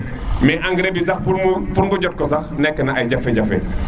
mais engrais bi sax pour nga jot ko neek na ay jafe jafe